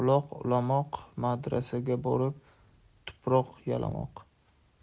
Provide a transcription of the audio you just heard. ulamoq madrasaga borib tuproq yalamoq